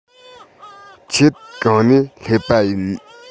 ཁྱེད གང ནས སླེབས པ ཡིན